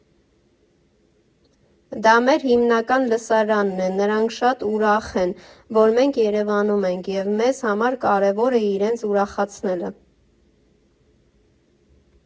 Դա մեր հիմնական լսարանն է, նրանք շատ ուրախ են, որ մենք Երևանում ենք, և մեզ համար կարևոր է իրենց ուրախացնելը։